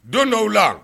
Don dɔ' o la